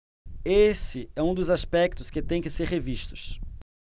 esse é um dos aspectos que têm que ser revistos